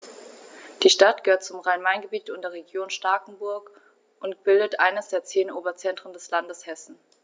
Die Stadt gehört zum Rhein-Main-Gebiet und der Region Starkenburg und bildet eines der zehn Oberzentren des Landes Hessen.